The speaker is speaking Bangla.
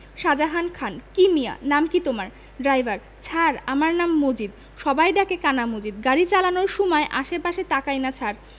শাজাহান খান কি মিয়া নাম কি তোমার ড্রাইভার ছার আমার নাম মজিদ সবাই ডাকে কানা মজিদ গাড়ি চালানের সুমায় আশে পাশে তাকাইনা ছার